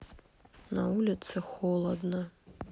на улице холодно